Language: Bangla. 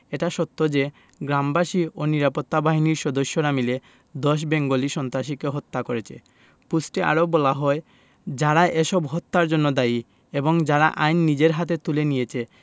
এটা সত্য যে গ্রামবাসী ও নিরাপত্তা বাহিনীর সদস্যরা মিলে ১০ বেঙ্গলি সন্ত্রাসীকে হত্যা করেছে পোস্টে আরো বলা হয় যারা এসব হত্যার জন্য দায়ী এবং যারা আইন নিজের হাতে তুলে নিয়েছে